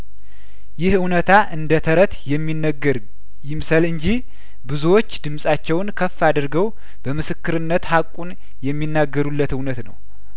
ይህ እውነታ እንደተረት የሚነገር ይምሰል እንጂ ብዙዎች ድምጻቸውን ከፍ አድርገው በምስክርነት ሀቁን የሚናገሩለት እውነት ነው